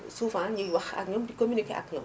souvent ñuy wax ak ñun di communiqué ak ñoom